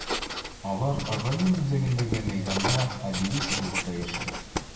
Алар район үзәгендәге мәйданда обелиск булып та яши.